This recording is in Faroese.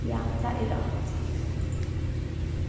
ja tað er rætt